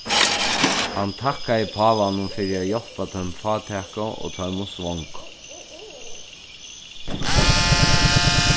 hann takkaði pávanum fyri at hjálpa teimum fátæku og teimum svongu